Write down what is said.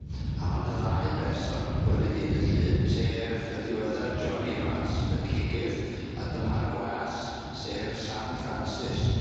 A ma' 'na ddau berson gweli 'di yn y llyn sef y diweddar John Ivans y cigydd a dyma'r gwas sef Sam Francis.